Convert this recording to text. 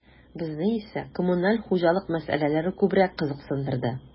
Безне исә коммуналь хуҗалык мәсьәләләре күбрәк кызыксындырды.